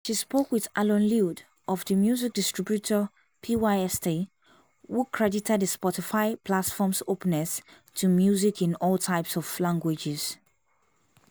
She spoke with Alun Llwyd of the music distributor PYST, who credited the Spotify platform's openness to music in all types of languages.